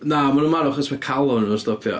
Na, maen nhw'n marw, achos mae calon nhw'n stopio.